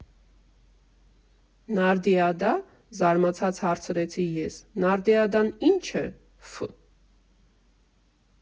Նարդիադա՞, ֊ զարմացած հարցրեցի ես, ֊ Նարդիադան ի՞նչ է, Ֆը։